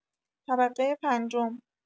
طبقه پنجم